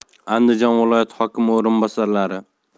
andijon viloyati hokimi o'rinbosarlari